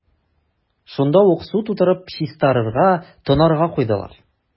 Шунда ук су тутырып, чистарырга – тонарга куйдылар.